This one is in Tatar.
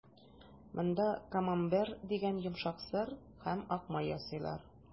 Монда «Камамбер» дигән йомшак сыр һәм ак май ясыйлар.